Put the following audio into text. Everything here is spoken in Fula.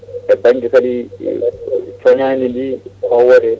e banggue kadi coñadidi *